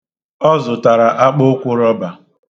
Ọ zụtara akpụụkwụ rọba.